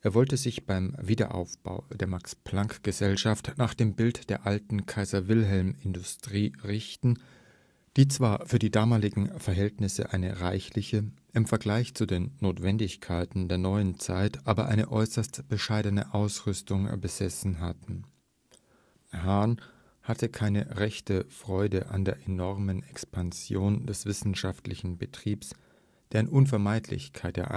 wollte sich beim Wiederaufbau der Max-Planck-Gesellschaft nach dem Bild der alten Kaiser-Wilhelm-Institute richten, die zwar für die damaligen Verhältnisse eine reichliche, im Vergleich zu den Notwendigkeiten der neuen Zeit aber eine äußerst bescheidene Ausrüstung besessen hatten. Hahn hatte keine rechte Freude an der enormen Expansion des wissenschaftlichen Betriebs, deren Unvermeidlichkeit er einsah